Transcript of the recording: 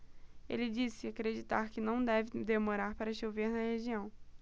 ele disse acreditar que não deve demorar para chover na região